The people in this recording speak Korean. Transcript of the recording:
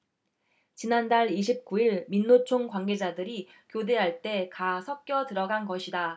지난달 이십 구 일 민노총 관계자들이 교대할 때 가 섞여 들어간 것이다